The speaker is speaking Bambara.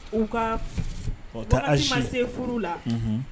U kaa ɔ ta age wagati ma se furu la unhun